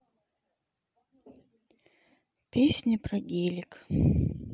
песня про гелик